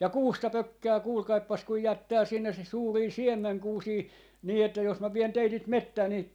ja kuusta pökkää kuulkaapas kun jättää sinne se suuria siemenkuusia niin että jos minä vien teidät metsään niin